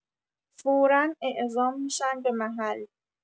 فورا اعزام می‌شن به محل